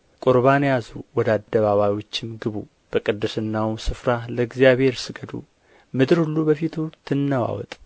ቍርባን ያዙ ወደ አደባባዮችም ግቡ በቅድስናው ስፍራ ለእግዚአብሔር ስገዱ ምድር ሁሉ በፊቱ ትነዋወጥ